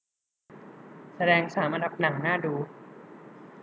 แสดงสามอันดับหนังน่าดู